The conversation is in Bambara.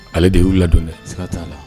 Ale de ye Yy'u ladon dɛ, siga t'a la